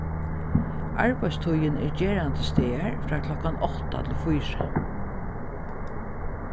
arbeiðstíðin er gerandisdagar frá klokkan átta til fýra